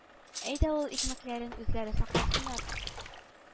Әйдә үз икмәкләрен үзләре сакласыннар